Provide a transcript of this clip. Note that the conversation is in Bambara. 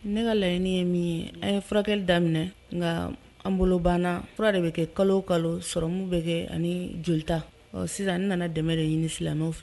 Ne ka laɲini ye min ye unhun an ye furakɛli daminɛ nkaa an bolo banna fura de bɛ kɛ kalo o kalo sérum bɛ kɛ ani joli ta ɔɔ sisan n nana dɛmɛ de ɲini silamɛw fɛ